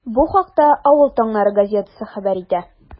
Бу хакта “Авыл таңнары” газетасы хәбәр итә.